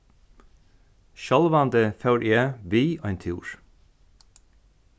sjálvandi fór eg við ein túr